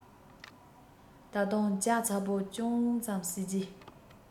ད དུང ཇ ཚ པོ ཅུང ཙམ བསྲེས རྗེས